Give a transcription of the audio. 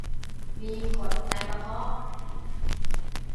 มีกรดในกระเพาะ